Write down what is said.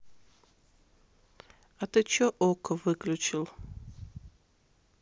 а ты че окко выключил